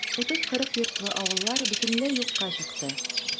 30-40 йортлы авыллар бөтенләй юкка чыкты.